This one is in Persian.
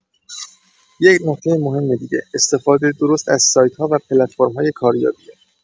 یه نکته مهم دیگه، استفاده درست از سایت‌ها و پلتفرم‌های کاریابیه.